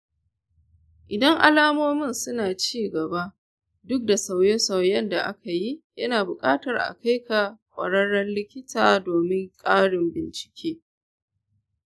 idan alamomin suna ci gaba duk da sauye-sauyen da aka yi, yana bukatar a kai ga ƙwararren likita domin ƙarin bincike.